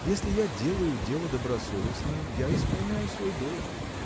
если я делаю дело добросовестно – я исполняю свой долг.